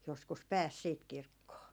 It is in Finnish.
joskus pääsi sitten kirkkoon